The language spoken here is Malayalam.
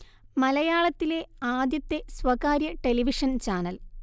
മലയാളത്തിലെ ആദ്യത്തെ സ്വകാര്യ ടെലിവിഷൻ ചാനൽ